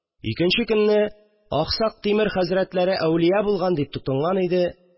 Икенче көнне: «Аксак Тимер хәзрәтләре әүлия булган», – дип тотынган иде,